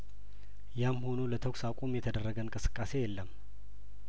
ያም ሆኖ ለተኩስ አቁም የተደረገ እንቅስቃሴ የለም